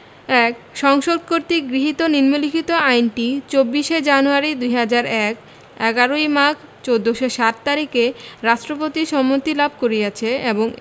১ সংসদ কর্তৃক গৃহীত নিম্নলিখিত আইনটি ২৪শে জানুয়ারী ২০০১ ১১ই মাঘ ১৪০৭ তারিখে রাষ্ট্রপতির সম্মতি লাভ করিয়অছে এবং